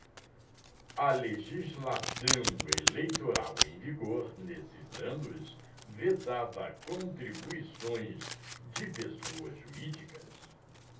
a legislação eleitoral em vigor nesses anos vetava contribuições de pessoas jurídicas